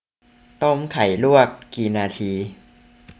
ต้มไข่ลวกกี่นาที